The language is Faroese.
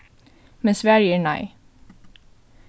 men svarið er nei